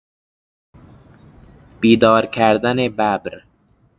بیدار کردن ببر